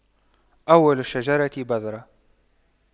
أول الشجرة بذرة